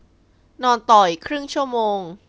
นอนต่ออีกครึ่งชั่วโมง